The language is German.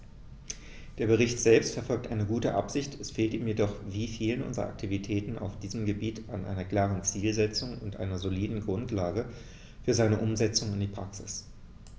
Der Bericht selbst verfolgt eine gute Absicht, es fehlt ihm jedoch wie vielen unserer Aktivitäten auf diesem Gebiet an einer klaren Zielsetzung und einer soliden Grundlage für seine Umsetzung in die Praxis.